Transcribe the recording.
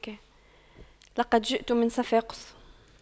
لقد جئت من صفاقس